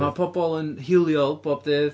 Ma' pobl yn hiliol bob dydd.